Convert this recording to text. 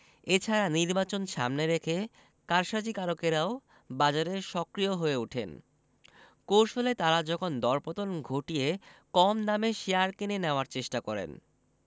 এ ছাড়া নির্বাচন সামনে রেখে কারসাজিকারকেরাও বাজারে সক্রিয় হয়ে ওঠেন কৌশলে তাঁরা যখন দরপতন ঘটিয়ে কম দামে শেয়ার কিনে নেওয়ার চেষ্টা করেন